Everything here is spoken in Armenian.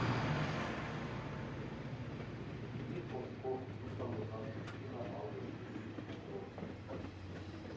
Մի խոսքով, լուսանկարչությունը արվեստների Մոխրոտն է։